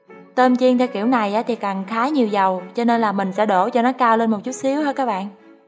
tôm chiên theo kiểu này thì cần khá nhiều dầu cho nên là mình sẽ đổ cho nó cao lên một chút xíu he các bạn